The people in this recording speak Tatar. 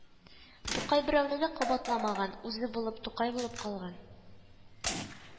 Тукай берәүне дә кабатламаган, үзе булып, Тукай булып калган